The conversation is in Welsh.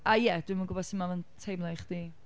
A ie. Dwi’m yn gwbod sut mae o'n teimlo i chdi.